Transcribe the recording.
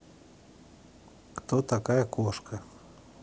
кто такая кошка